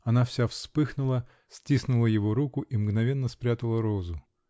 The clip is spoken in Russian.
Она вся вспыхнула, стиснула его руку и мгновенно спрятала розу.